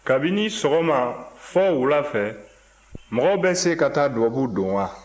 kabini sɔgɔma fɔ wula fɛ mɔgɔ bɛ se ka taa dubabu don wa